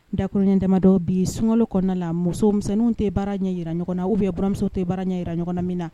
Dakuruɲɛ damadɔ bi sunkalo kɔnɔna la, musomisɛnninw tɛ baara ɲɛ jira ɲɔgɔn na ou bien buramuso tɛ baara ɲɛ jira ɲɔgɔn min na